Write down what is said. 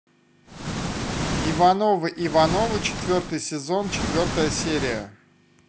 ивановы ивановы четвертый сезон четвертая серия